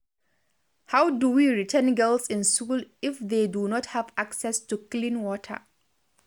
How do we retain girls in school if they do not have access to clean water?